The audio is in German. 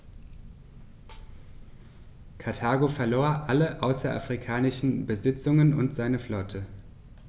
Karthago verlor alle außerafrikanischen Besitzungen und seine Flotte.